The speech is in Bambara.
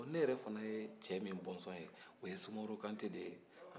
ne yɛrɛ fana ye cɛ min bɔnsɔn ye o ye sumaworo kantɛ de ye